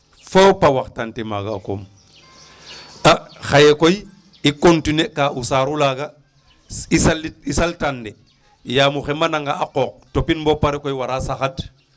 Fop a waxtaante maaga a kom a xaye koy i continuer ka o saar olaaga i salit i saltaan de yaam o xembananga a qooq topin bo pare koy wara saxad.